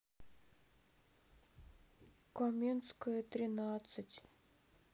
каменская тринадцать